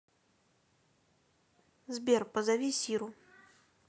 сбер позови сиру